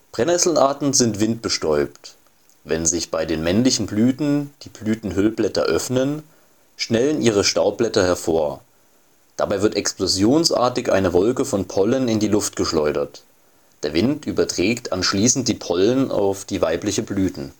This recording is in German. Brennnessel-Arten sind windbestäubt. Wenn sich bei den männlichen Blüten die Blütenhüllblätter öffnen, schnellen ihre Staubblätter hervor; dabei wird explosionsartig eine Wolke von Pollen in die Luft geschleudert. Der Wind überträgt anschließend den Pollen auf die weiblichen Blüten